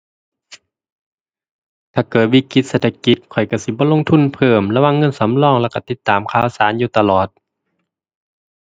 ถ้าเกิดวิกฤตเศรษฐกิจข้อยก็สิบ่ลงทุนเพิ่ม ระวังเงินสำรองแล้วก็ติดตามข่าวสารอยู่ตลอด